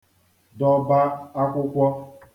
dọbaa akwụkwọ